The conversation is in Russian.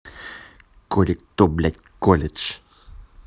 коли кто блядь колледж